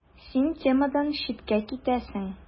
Гарри: Син темадан читкә китәсең.